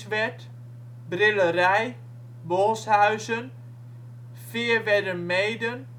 Brillerij, Bolshuizen, Feerwerdermeeden